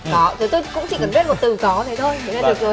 có thế tôi cũng chỉ cần biết một từ có thế thôi thế là được rồi